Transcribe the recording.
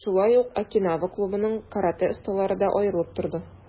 Шулай ук, "Окинава" клубының каратэ осталары да аерылып торды.